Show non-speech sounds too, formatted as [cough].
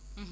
[hesitation] [hesitation]